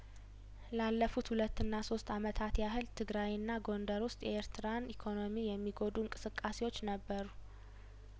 ላለፉት ሁለትና ሶስት አመታት ያህል ትግራይና ጐንደር ውስጥ የኤርትራን ኢኮኖሚ የሚጐዱ እንቅስቃሴዎች ነበሩ